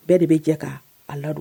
Bɛɛ de bɛ jɛka a ladon